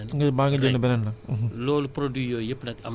daf koy téye bu ko téyee ñun dañu lay delloo